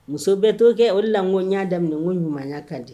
Muso bɛɛ to kɛ o de la ko y'a daminɛ ko ɲumanya kan di